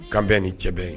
Kan bɛ nin cɛ ba in ma.